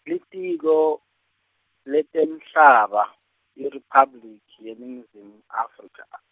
Litiko, leTemhlaba, IRiphabliki yeNingizimu Afrika.